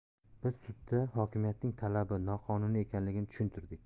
biz sudda hokimiyatning talabi noqonuniy ekanligini tushuntirdik